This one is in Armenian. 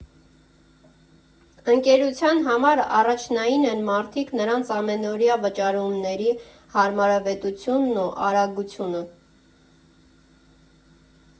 Ընկերության համար առաջնային են մարդիկ, նրանց ամենօրյա վճարումների հարմարավետությունն ու արագությունը։